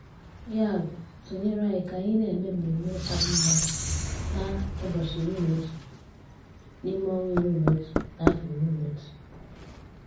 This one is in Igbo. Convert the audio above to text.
Yabụ sonyere anyị ka anyị na-eme mmeme abụmmadụ na 11/11/11.